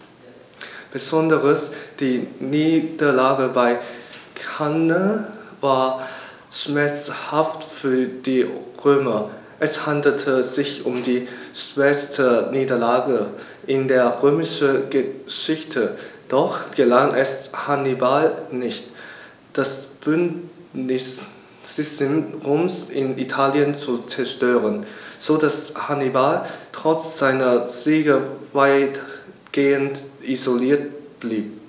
Besonders die Niederlage bei Cannae war schmerzhaft für die Römer: Es handelte sich um die schwerste Niederlage in der römischen Geschichte, doch gelang es Hannibal nicht, das Bündnissystem Roms in Italien zu zerstören, sodass Hannibal trotz seiner Siege weitgehend isoliert blieb.